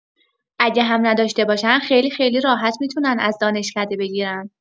اگر هم نداشته باشن خیلی خیلی راحت می‌تونن از دانشکده بگیرن.